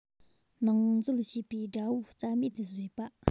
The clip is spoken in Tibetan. ནང འཛུལ བྱེད པའི དགྲ བོ རྩ མེད བཟོས པ